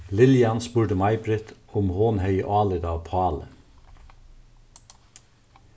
liljan spurdi maibritt um hon hevði álit á páli